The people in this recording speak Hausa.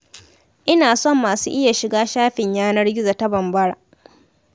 Ina son ma su iya shiga shafin yanar gizo ta Bambara.